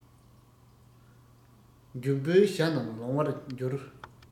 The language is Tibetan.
འབྱུང པོའི བྱ རྣམས ལོང བར འགྱུར